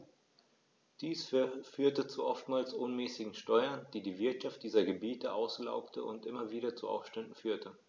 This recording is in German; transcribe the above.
Dies führte zu oftmals unmäßigen Steuern, die die Wirtschaft dieser Gebiete auslaugte und immer wieder zu Aufständen führte.